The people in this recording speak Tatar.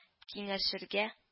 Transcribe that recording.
Киңәшергә